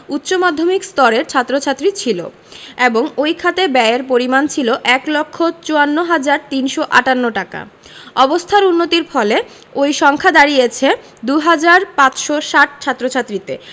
উচ্চ মাধ্যমিক স্তরের ছাত্র ছাত্রী ছিল এবং ওই খাতে ব্যয়ের পরিমাণ ছিল ১ লক্ষ ৫৪ হাজার ৩৫৮ টাকা অবস্থার উন্নতির ফলে ওই সংখ্যা দাঁড়িয়েছে ২ হাজার ৫৬০ ছাত্রছাত্রীতে